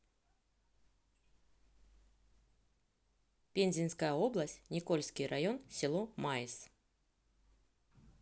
пензенский область никольский район село маис